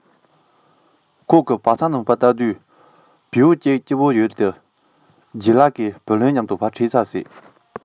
ཁོས བ ཚང ནང དུ ལྟ དུས བེའུ གཅིག པུ དེ ཡང ལྗད ལགས ཀྱིས བུ ལོན གྱི རྟེན དུ ཁྲིད ཚར བ རེད